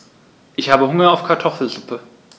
Ich habe Hunger auf Kartoffelsuppe.